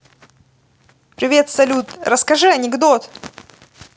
привет салют расскажи анекдот